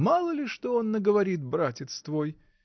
Мало ли что он наговорит, братец твой!